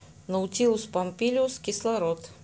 наутилус помпилиус кислород